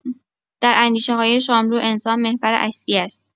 در اندیشه‌های شاملو، انسان‌محور اصلی است.